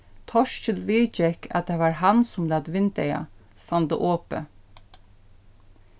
torkil viðgekk at tað var hann sum læt vindeygað standa opið